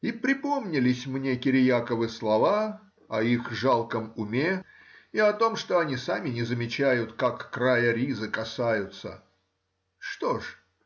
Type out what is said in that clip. И припомнились мне Кириаковы слова о их жалком уме и о том, что они сами не замечают, как края ризы касаются. Что же?